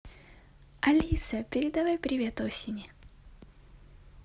алиса передай привет осени